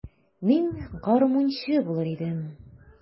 Мин гармунчы булыр идем.